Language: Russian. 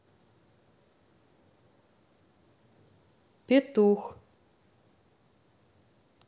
петух